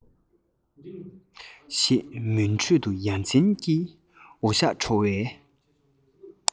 ཞེས མུན ཁྲོད དུ ཡ མཚན གྱི འོད ཞགས འཕྲོ བའི